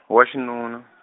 wa xinuna .